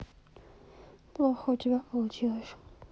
плохо у тебя получилось